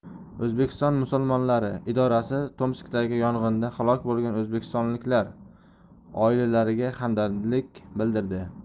o'zbekiston musulmonlari idorasi tomskdagi yong'inda halok bo'lgan o'zbekistonliklar oilalariga hamdardlik bildirdi